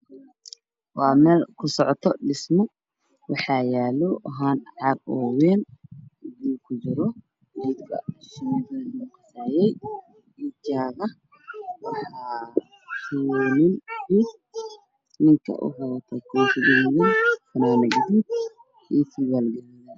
Waa meel kusocoto dhismo waxaa yaalo haan caag oo weyn biyo kujiro